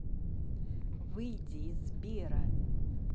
выйди из сбера